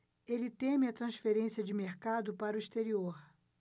ele teme a transferência de mercado para o exterior